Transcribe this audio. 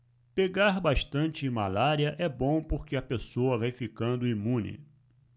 pegar bastante malária é bom porque a pessoa vai ficando imune